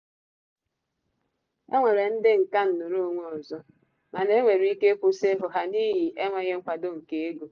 "E nwere ndị nkà nnoro onwe ọzọ, mana e nwere ike ịkwụsị ịhụ ha n'ihi enweghị nkwado nke ego.